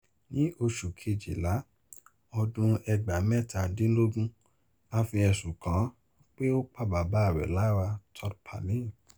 Ni osu kejila ọdun 2017, a fi ẹsun kan pe o pa baba rẹ lara, Todd Palin.